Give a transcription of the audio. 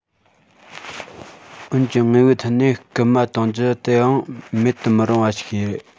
འོན ཀྱང དངོས པོའི ཐད ནས བསྐུལ མ གཏོང རྒྱུ དེའང མེད དུ མི རུང བ ཞིག རེད